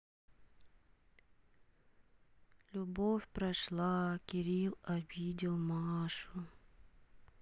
любовь прошла кирилл обидел машу